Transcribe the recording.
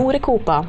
Norecopa.